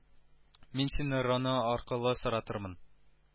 Мин сине роно аркылы соратырмын